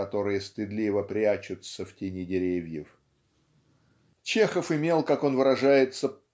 которые стыдливо прячутся в тени деревьев. " Чехов имел как он выражается